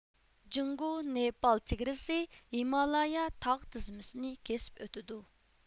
جۇڭگو نېپال چېگرىسى ھىمالايا تاغ تىزمىسىنى كېسىپ ئۆتىدۇ